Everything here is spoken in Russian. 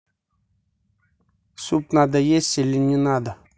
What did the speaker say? суп надо есть или не надо